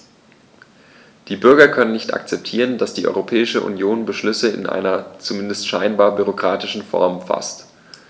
Die Bürger können nicht akzeptieren, dass die Europäische Union Beschlüsse in einer, zumindest scheinbar, bürokratischen Form faßt.